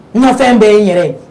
Nafɛn bɛɛ ye n yɛrɛ ye